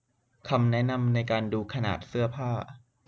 คำแนะนำในการดูขนาดเสื้อผ้า